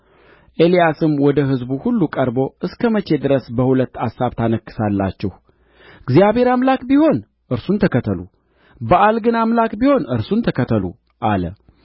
ኤልያስም ወደ ሕዝቡ ሁሉ ቀርቦ እስከ መቼ ድረስ በሁለት አሳብ ታነክሳላችሁ እግዚአብሔር አምላክ ቢሆን እርሱን ተከተሉ በኣል ግን አምላክ ቢሆን እርሱን ተከተሉ አለ